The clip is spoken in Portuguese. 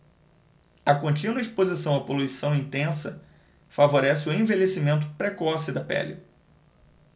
a contínua exposição à poluição intensa favorece o envelhecimento precoce da pele